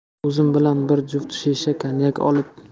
o'zim bilan bir juft shisha konyak olib